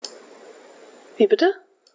Wie bitte?